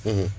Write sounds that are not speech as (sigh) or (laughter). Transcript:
(hesitation) (hesitation)